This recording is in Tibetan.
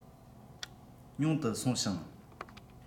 ཉུང དུ སོང ཞིང